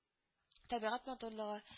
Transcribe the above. Табигать матурлыгы